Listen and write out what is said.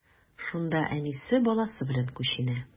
Шунда әнисе, баласы белән күченә.